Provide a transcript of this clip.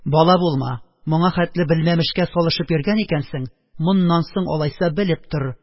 Бала булма, моңа хәтле белмәмешкә салышып йөргән икәнсең, моннан соң, алайса, белеп тор